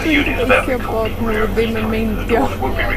Dwi'n gobeithio bod nw ddim yn meindio